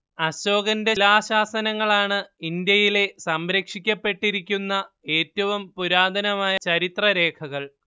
അശോകന്റെ ശിലാശാസനങ്ങളാണ് ഇന്ത്യയിലെ സംരക്ഷിക്കപ്പെട്ടിരിക്കുന്ന ഏറ്റവും പുരാതനമായ ചരിത്രരേഖകൾ